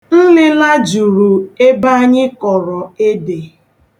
Nlịla juru ebe anyị kọrọ ede.